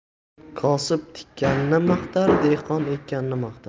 kosib tikkanini maqtar dehqon ekkanini maqtar